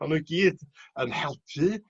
ma'' n'w i gyd yn helpu